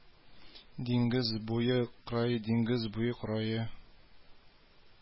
Диңгез буе крае Диңгез буе крае